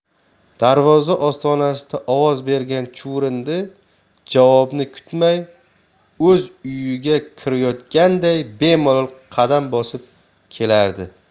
darvoza ostonasida ovoz bergan chuvrindi javobni kutmay o'z uyiga kirayotganday bemalol qadam bosib kelardi